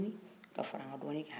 wɔ tunkara ye maraka de ye